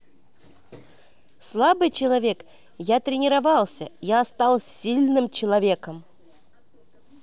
слабый человек я тренировался я стал сильным человеком